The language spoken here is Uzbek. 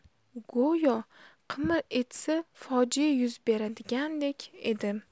go'yo qimir etsa fojia ro'y beradigandek edi